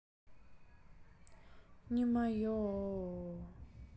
не мое ооо